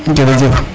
jerejef